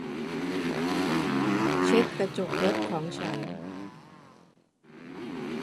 เช็ดกระจกรถของฉัน